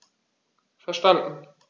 Verstanden.